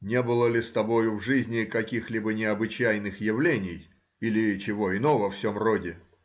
не было ли с тобою в жизни каких-либо необычайных явлений или чего иного в сем роде?